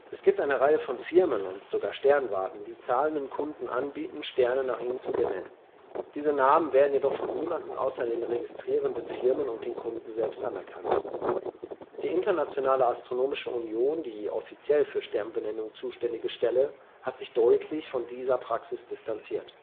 Es gibt eine Reihe von Firmen und sogar Sternwarten, die zahlenden Kunden anbieten, Sterne nach ihnen zu benennen. Diese Namen werden jedoch von niemandem außer der registrierenden Firma und dem Kunden anerkannt. Die Internationale Astronomische Union, die offiziell für Sternbenennungen zuständige Stelle, hat sich deutlich von dieser Praxis distanziert